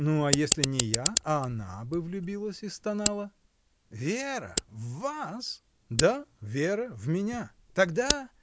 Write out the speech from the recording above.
— Ну а если не я, а она бы влюбилась и стонала? — Вера!. в вас? — Да, Вера, в меня! — Тогда.